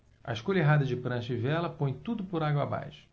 a escolha errada de prancha e vela põe tudo por água abaixo